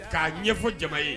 K'a ɲɛfɔ jama ye.